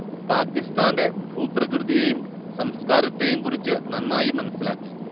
പാകിസ്താന്റെ ഭൂപ്രകൃതിയെയും സംസ്കാരത്തെയും കുറിച്ച് നന്നായി മനസ്സിലാക്കി